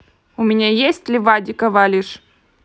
у меня есть ли вадика валишь